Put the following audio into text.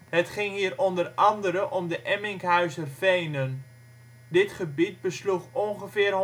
Het ging hier onder andere om de Emminkhuizervenen. Dit gebied besloeg ongeveer